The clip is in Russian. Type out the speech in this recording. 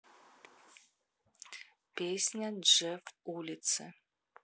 песня джефф улицы